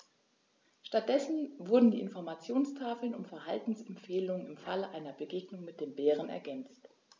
Stattdessen wurden die Informationstafeln um Verhaltensempfehlungen im Falle einer Begegnung mit dem Bären ergänzt.